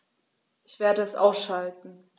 Ich werde es ausschalten